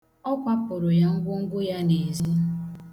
Ọ kwapụrụ ya ngwongwo ya n'ezi.